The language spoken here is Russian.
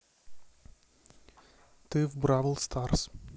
ты в бравл старс